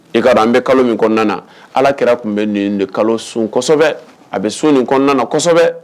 E ka an bɛ kalo min kɔnɔna na ala kɛra tun bɛ nin de kalo sun a bɛ sun ninnu kɔnɔna na kosɛbɛ